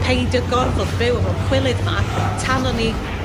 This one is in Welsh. peidio gorfod byw efo'r cwilydd 'ma tan o'n i